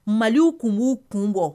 Maliw tun b'u kun bɔ